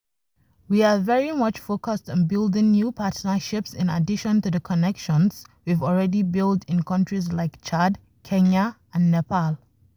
We're very much focused on building new partnerships in addition to the connections we've already built in countries like Chad, Kenya, and Nepal.